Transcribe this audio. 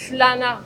2nan